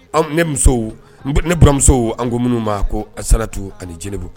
Ne musow, ne bɔranmusow an ko minnu ma ko Asanatu ani Jɛnɛbu